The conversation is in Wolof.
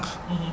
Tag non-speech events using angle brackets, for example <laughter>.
<hesitation> <hesitation>